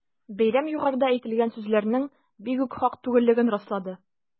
Бәйрәм югарыда әйтелгән сүзләрнең бигүк хак түгеллеген раслады.